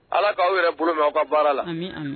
Ala k'aw yɛrɛ bolo mɛn aw ka baara la